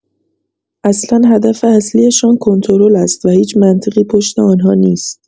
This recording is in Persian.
اصلا هدف اصلی‌شان کنترل است و هیچ منطقی پشت آن‌ها نیست.